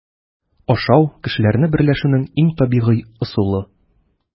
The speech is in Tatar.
Ашау - кешеләрне берләшүнең иң табигый ысулы.